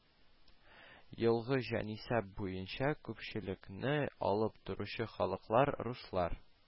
Елгы җанисәп буенча күпчелекне алып торучы халыклар-руслар